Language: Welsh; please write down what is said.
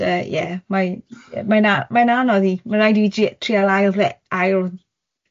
yy ie, mae'n yym mae'n a-... Mae'n anodd i... Mae'n rhaid i fi j- j-, trial ail dde-, ail-